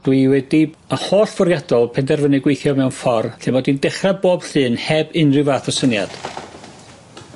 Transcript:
Dwi wedi y holl fwriadol penderfynu gweithio mewn ffor' lle mod i'n dechra bob llun heb unrhyw fath o syniad.